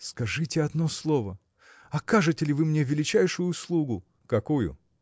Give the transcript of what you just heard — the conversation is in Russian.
– Скажите одно слово: окажете ли вы мне величайшую услугу? – Какую?